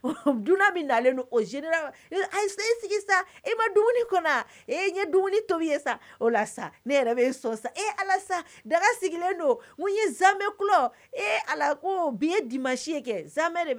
Dunan e e ye to sa ne yɛrɛ sɔ sa e alasa daga sigilen don yemɛ ku e ala ko bi ye di ma si kɛ